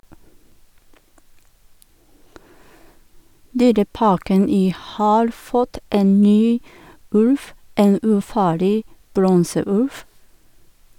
Dyreparken i har fått en ny ulv - en ufarlig bronseulv.